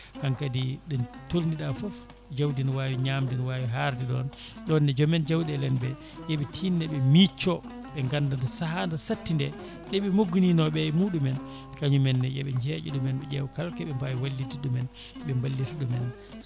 hankkadi ɗo tolniɗa foof jawdi ne wawi ñamde ne wawi harde ɗon ɗonne joomen jawɗele en ɓe yooɓe tinno ɓe micco ɓe ganda nde saaha de satti nde ɓeɓe mogguininoɓe e muɗumen ɓe kañumenne yooɓe jeeƴo ɗumen ɓe ƴeewa kala kooɓe mbawi wallidde ɗumen ɓe mballita ɗumen